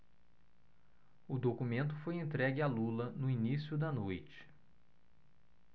o documento foi entregue a lula no início da noite